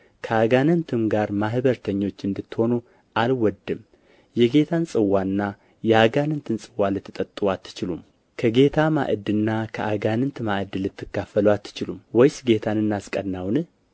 ከአጋንንትም ጋር ማኅበረተኞች እንድትሆኑ አልወድም የጌታን ጽዋና የአጋንንትን ጽዋ ልትጠጡ አትችሉም ከጌታ ማዕድና ከአጋንንት ማዕድ ልትካፈሉ አትችሉም ወይስ ጌታን እናስቀናውን